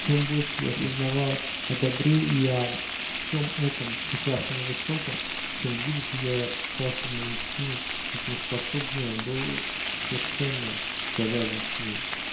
Чем больше я сознавал о добре и о всем этом "прекрасном и высоком", тем глубже я и опускался в мою тину и тем способнее был совершенно завязнуть в ней.